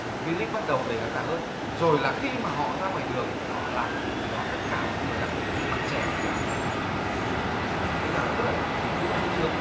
vi líc bắt đầu để khán giả hơn rồi là khi mà họ ra ngoài đường rồi họ làm một điều gì đó tất cả mọi người đặc biệt là những bạn trẻ thì thì thì thì cảm thấy rất là thích thú và sung sướng